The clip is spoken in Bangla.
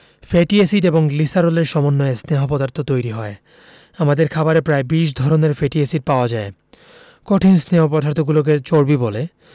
ফ্যাটি এসিড এবং গ্লিসারলের সমন্বয়ে স্নেহ পদার্থ তৈরি হয় আমাদের খাবারে প্রায় ২০ ধরনের ফ্যাটি এসিড পাওয়া যায় কঠিন স্নেহ পদার্থগুলোকে চর্বি বলে